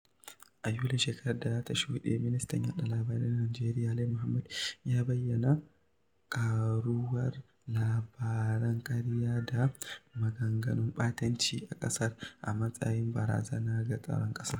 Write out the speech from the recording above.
A Yulin shekarar da ta shuɗe, ministan yaɗa labarai na Najeriya, Lai Mohammed, ya bayyana ƙaruwar labaran ƙarya da maganganun ɓatanci a ƙasar a matsayin barazana ga tsaron ƙasa.